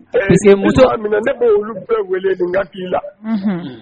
Muso minɛ ne bɛ